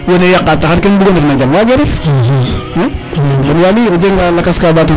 wene yaqa taxar ke nu mbugo ndef no jam wage ref Waly o jenga lakas ka ɓatona ten